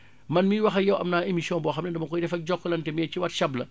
man miy wax ak yow am naa émission boo xam ne dama koy defal Jokalante mais ci Whatsapp la